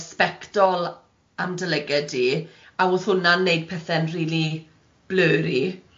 sbectol am dy lygid di a o'dd hwnna'n neud pethe'n rili blyri